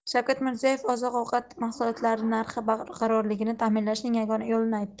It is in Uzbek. shavkat mirziyoyev oziq ovqat mahsulotlari narxi barqarorligini ta'minlashning yagona yo'lini aytdi